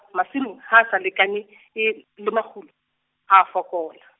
masimo ha a sa lekane, e le makgulo, a a fokola.